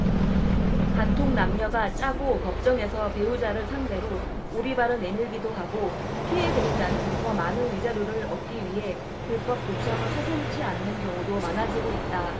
간통 남녀가 짜고 법정에서 배우자를 상대로 오리발을 내밀기도 하고 피해 배우자는 더 많은 위자료를 얻기 위해 불법 도청을 서슴지 않는 경우도 많아지고 있다